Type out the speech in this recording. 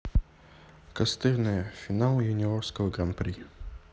костырная финал юниорского гран при